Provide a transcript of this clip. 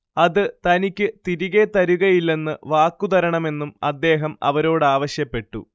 അത് തനിക്ക് തിരികെ തരുകയില്ലെന്ന് വാക്കുതരണമെന്നും അദ്ദേഹം അവരോടാവശ്യപ്പെട്ടു